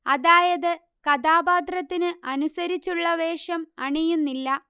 അതായത് കഥാപാത്രത്തിനു അനുസരിച്ചുള്ള വേഷം അണിയുന്നില്ല